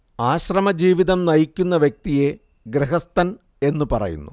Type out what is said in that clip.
ആശ്രമജീവിതം നയിക്കുന്ന വ്യക്തിയെ ഗൃഹസ്ഥൻ എന്ന് പറയുന്നു